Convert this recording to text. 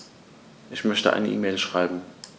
Ich möchte eine E-Mail schreiben.